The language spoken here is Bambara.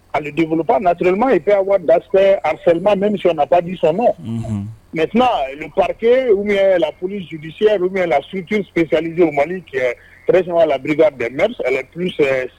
On ne développe pas naturellement il peut avoir d'aspects harcèlement même si on n'a pas dit son nom unhun maintenant le parquet ou bien la police judiciaire ou bien la structure spécialisée au Mali qui est très généralement la brigade des mœurs elle est plus